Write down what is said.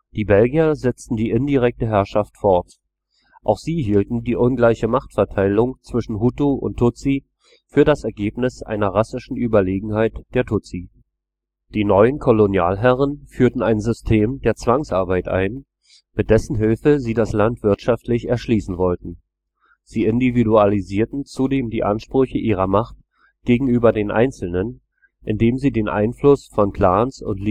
Die Belgier setzten die indirekte Herrschaft fort. Auch sie hielten die ungleiche Machtverteilung zwischen Hutu und Tutsi für das Ergebnis einer rassischen Überlegenheit der Tutsi. Die neuen Kolonialherren führten ein System der Zwangsarbeit ein, mit dessen Hilfe sie das Land wirtschaftlich erschließen wollten. Sie individualisierten zudem die Ansprüche ihrer Macht gegenüber den Einzelnen, indem sie den Einfluss von Clans und